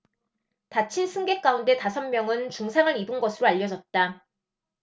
다친 승객 가운데 다섯 명은 중상을 입은 것으로 알려졌다